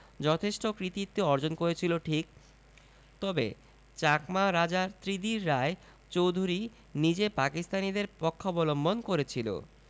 যথেষ্ট কৃতিত্ব অর্জন করেছিল ঠিক তবে চাকমা রাজা ত্রিদির রায় চৌধুরী নিজে পাকিস্তানীদের পক্ষাবলম্বন করেছিল